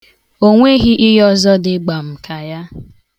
O nweghị ihe ọzọ dị gbam ka ya.